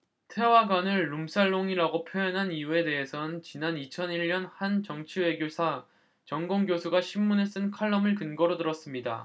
태화관을 룸살롱이라고 표현한 이유에 대해선 지난 이천 일 년 한 정치외교사 전공 교수가 신문에 쓴 칼럼을 근거로 들었습니다